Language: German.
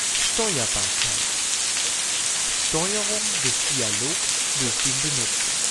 Steuerbarkeit – Steuerung des Dialogs durch den Benutzer